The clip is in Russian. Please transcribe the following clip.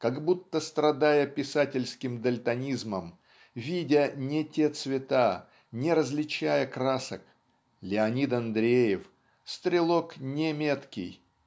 как будто страдая писательским дальтонизмом видя не те цвета не различая красок Леонид Андреев стрелок неметкий